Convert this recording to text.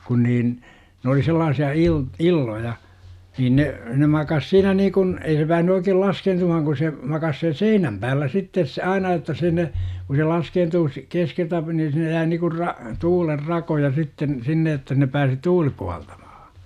kun niin ne oli sellaisia - illoja niin ne ne makasi siinä niin kuin ei se päässyt oikein laskeutumaan kun se makasi sen seinän päällä sitten se aina jotta sinne kun se laskeutuu se keskeltä - niin sinne jäi niin kuin - tuulen rakoja sitten sinne jotta - sinne pääsi tuuli puhaltamaan